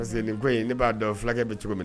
Parce ko in ne b'a dɔn fulakɛ bɛ cogo min na